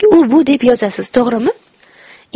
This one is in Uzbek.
u bu deb yozasiz to'g'rimi